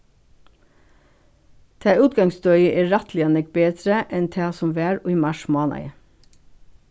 tað útgangsstøðið er rættiliga nógv betri enn tað sum var í marsmánaði